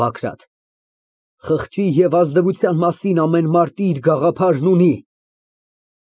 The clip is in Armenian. ԲԱԳՐԱՏ ֊ Խղճի և ազնվության մասին ամեն մարդ իր գաղափարն ունի։